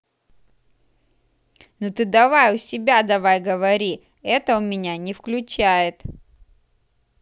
ну ты у себя давай говори это у меня не включает